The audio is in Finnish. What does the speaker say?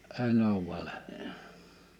en ole -